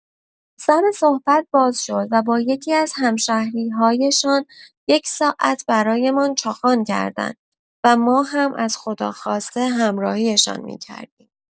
سر صحبت باز شد و با یکی‌از همشهری‌هایشان یک ساعت برایمان چاخان کردند و ما هم از خدا خواسته همراهی‌شان می‌کردیم.